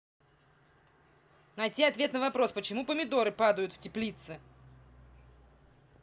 найти ответ на вопрос почему помидоры падают в теплицы